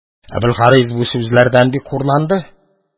Әбелхарис бу сүзләрдән бик хурланды